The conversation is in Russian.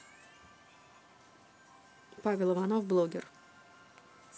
павел иванов блогер